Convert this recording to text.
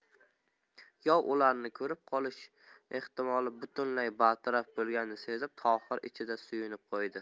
yov ularni ko'rib qolish ehtimoli butunlay bartaraf bo'lganini sezib tohir ichida suyunib qo'ydi